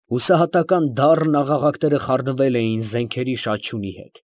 Հուսահատական դա՜ռն աղաղակները խառնվել էին զենքերի շաչյունի հետ։